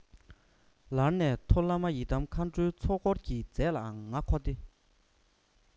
ལར ནས མཐོ བླ མ ཡི དམ མཁའ འགྲོའི ཚོགས འཁོར གྱི རྫས ལའང ང འཁོར སྟེ